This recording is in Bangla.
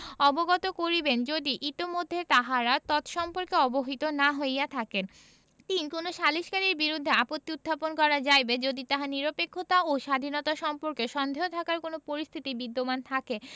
অবগত করিবেন যদি ইতোমধ্যে তাহারা তৎসম্পর্কে অবহিত না হইয়া থাকেন ৩ কোন সালিসকারীর বিরুদ্ধে আপত্তি উত্থাপন করা যাইবে যদি তাহার নিরপেক্ষতা ও স্বাধীনতা সম্পর্কে সন্দেহ থাকার কোন পরিস্থিতি বিদ্যমান থাকে